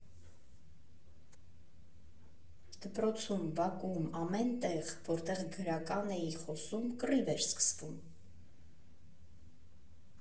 Դպրոցում, բակում, ամեն տեղ, որտեղ գրական էի խոսում, կռիվ էր սկսվում։